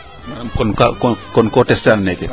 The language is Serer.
manaam kon ko test an neeke